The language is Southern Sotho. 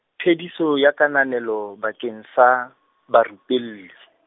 phediso ya kananelo, bakeng sa , barupelli.